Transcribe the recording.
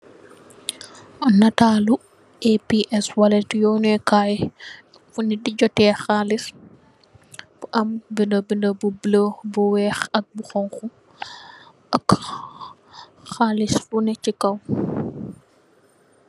Natalu APS wallet yunèkaay fi nit di jotè halis bu am binda-binda bu bulo, bu weeh ak bu honku ak halis bu nè chi kaw.